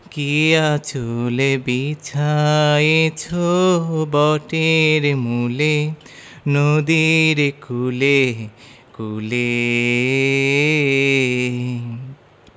কী আঁচল বিছায়েছ বটের মূলে নদীর কূলে কূলে